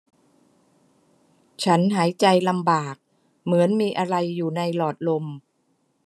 ฉันหายใจลำบากเหมือนมีอะไรอยู่ในหลอดลม